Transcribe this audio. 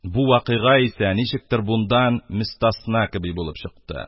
Бу вакыйга исә ничектер бундан мөстәсна кеби булып чыкты